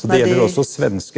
så det gjelder også svenske.